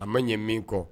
A ma ɲɛ min kɔ